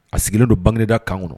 A sigilen don bangeg da kanan kɔnɔ